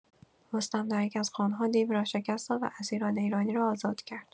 رستم در یکی‌از خوان‌ها دیوی را شکست داد و اسیران ایرانی را آزاد کرد.